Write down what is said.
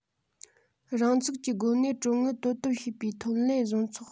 རང ཚུགས ཀྱི སྒོ ནས གྲོན དངུལ དོ དམ བྱེད པའི ཐོན ལས བཟོ ཚོགས